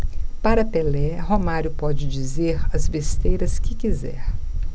para pelé romário pode dizer as besteiras que quiser